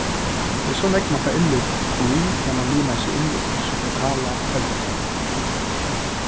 tað er so nógv mann fær innlit í tá man limar seg inn í sítt lokala eldrafelag